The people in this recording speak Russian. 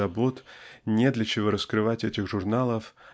забот не для чего раскрывать этих журналов